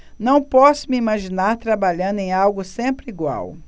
não posso me imaginar trabalhando em algo sempre igual